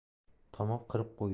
tomoq qirib qo'ydi